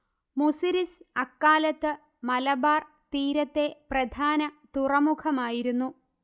മുസിരിസ് അക്കാലത്ത് മലബാർ തീരത്തെ പ്രധാന തുറമുഖമായിരുന്നു